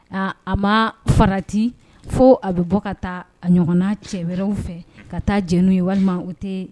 Aa a maa farati foo a bɛ bɔ ka taa a ɲɔgɔnna cɛ wɛrɛw fɛ, ka taa jɛ n'u ye walima u tee